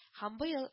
Һам быел